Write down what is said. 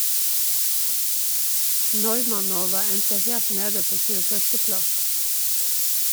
Neumannova endte helt nede på 21. plass.